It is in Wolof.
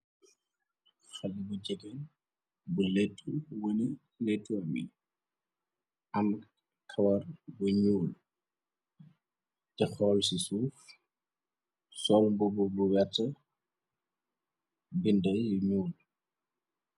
xali bu jegan bu lettu wëne letu ami an kawar bu ñuul ca xool ci suuf sol mbu bu bu werta binda yu ñuul